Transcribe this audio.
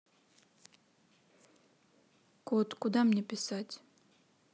код куда мне писать